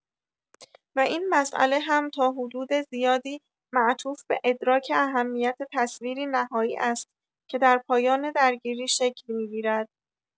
و این مساله هم تا حدود زیادی معطوف به ادراک اهمیت تصویری نهایی است که در پایان درگیری شکل می‌گیرد.